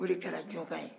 o de kɛra jɔka ye